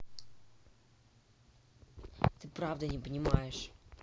ты правда не понимаешь